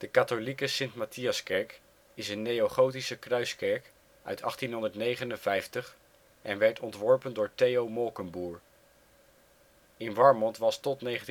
katholieke Sint-Matthiaskerk is een neogotische kruiskerk uit 1859 en werd ontworpen door Theo Molkenboer. In Warmond was tot 1967